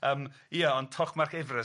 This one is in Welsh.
Yym ia ond Torchmarch Efres.